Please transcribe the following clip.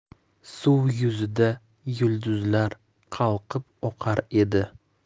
suv yuzida yulduzlar qalqib oqar edi